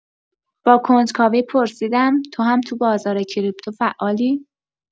با کنجکاوی پرسیدم: «تو هم تو بازار کریپتو فعالی؟»